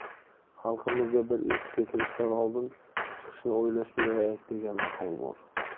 xalqimizda bir eshikka kirishdan oldin chiqishni o'ylash kerak degan maqol bor